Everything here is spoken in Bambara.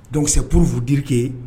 Dɔnku se puruurfuudike